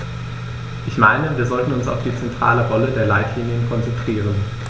Ich meine, wir sollten uns auf die zentrale Rolle der Leitlinien konzentrieren.